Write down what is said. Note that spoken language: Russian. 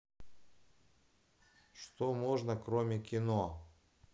что можно кроме кино